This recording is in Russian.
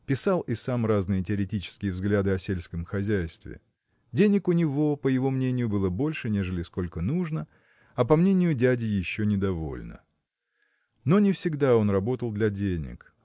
писал и сам разные теоретические взгляды о сельском хозяйстве. Денег у него по его мнению было больше нежели сколько нужно а по мнению дяди еще недовольно. Но не всегда он работал для денег.